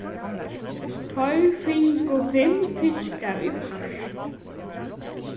teir fingu fimm fiskar í part